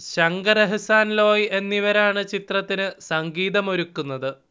ശങ്കർ എഹ്സാൻ ലോയ് എന്നിവരാണ് ചിത്രത്തിന് സംഗീതമൊരുക്കുന്നത്